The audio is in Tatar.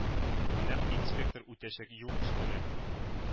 Нәкъ инспектор үтәчәк юл өстенә